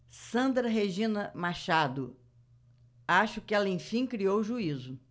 sandra regina machado acho que ela enfim criou juízo